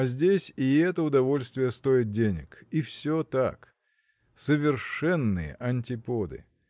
а здесь и это удовольствие стоит денег – и все так! совершенные антиподы!